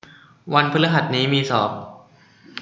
วันพฤหัสนี้มีสอบ